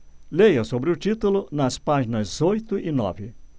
leia sobre o título nas páginas oito e nove